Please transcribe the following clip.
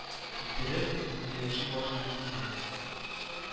Китереп, инде яши башлыйм дисәң